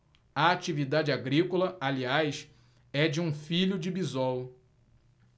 a atividade agrícola aliás é de um filho de bisol